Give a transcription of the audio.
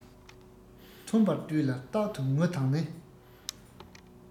ཐུམ པར བཏུས ལ རྟག ཏུ ངུ དང ནི